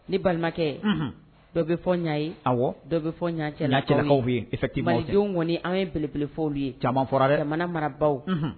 Ni balimakɛ dɔw bɛ fɔ y ɲɛa ye a dɔw bɛ fɔ cɛ lakaw yefɛti fi kɔniɔni an ye belefɔw ye caman fɔra wɛrɛ mana marabagaw